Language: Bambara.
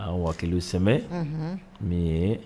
Aa waki sɛmɛ min ye